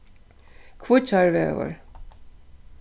kvíggjarvegur